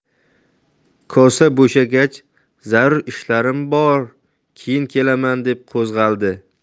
kosa bo'shagach zarur ishlarim bor keyin kelaman deb qo'zg'aldi